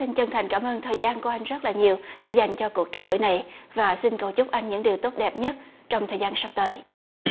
xin chân thành cảm ơn thời gian của anh rất là nhiều đã dành cho cuộc trao đổi này và xin cầu chúc anh những điều tốt đẹp nhất trong thời gian sắp tới